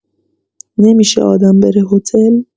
نمی‌شه آدم بره هتل؟